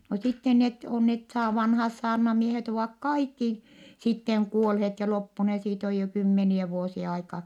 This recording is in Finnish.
no sitten ne on ne - vanhat saarnamiehet ovat kaikki sitten kuolleet ja loppuneet siitä on jo kymmeniä vuosia aikaa